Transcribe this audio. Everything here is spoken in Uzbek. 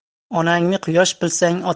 onangni quyosh bilsang